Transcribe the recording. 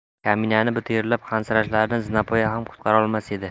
kaminani bu terlab hansirashlardan zinapoya ham qutqarolmas edi